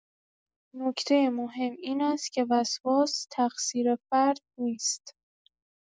نکته مهم این است که وسواس تقصیر فرد نیست.